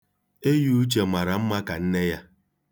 Eyiuche mara mma ka nne ya.